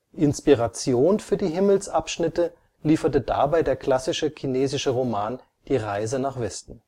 Inspiration für die Himmelsabschnitte lieferte dabei der klassische chinesische Roman Die Reise nach Westen